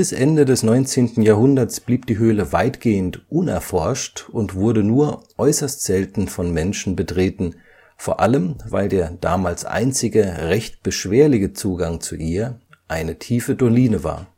Ende des 19. Jahrhunderts blieb die Höhle weitgehend unerforscht und wurde nur äußerst selten von Menschen betreten, vor allem weil der damals einzige, recht beschwerliche Zugang zu ihr eine tiefe Doline war